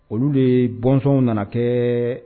Olu de bɔnsɔnw nana kɛ